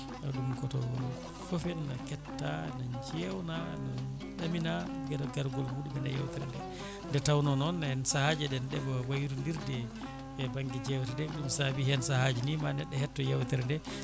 ɗum koto foof ene ketta ne jewna ne ɗamina beele gargol muɗum e yewtere nde nde tawno noon hen sahaji eɗen ɗeeɓa wayro dirde e banggue jewteɗe ɗum saabi hen saahaji ni ma neɗɗo hetto yewtere nde